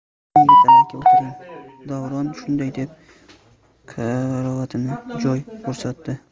qani yigitali aka o'tiring davron shunday deb karavotdan joy ko'rsatdi